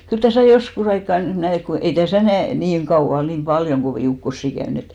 kyllä tässä joskus aikaa näin että kun ei tässä näin niin kauan niin paljon kovia ukkosia käynyt että